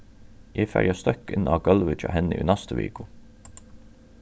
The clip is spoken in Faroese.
eg fari at støkka inn á gólvið hjá henni í næstu viku